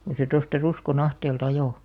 kun se tuosta Ruskon ahteelta ajoi